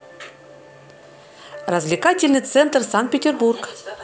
развлекательный центр санкт петербург